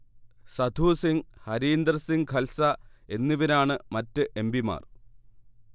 സധു സിങ്, ഹരീന്ദർ സിങ് ഖൽസ എന്നിവരാണു മറ്റ് എംപിമാർ